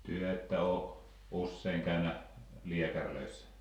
te ette ole usein käynyt lääkäreissä